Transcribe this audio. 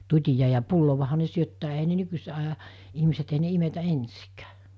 tutilla ja pullollahan ne syöttää eihän ne nykyiset ajan ihmiset ei ne imetä ensinkään